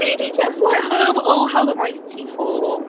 EasyJet flight home oh how the mighty fall!